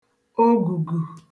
ogùgù